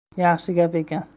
yaxshi gap ekan